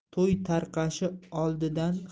to'y tarqashi oldidan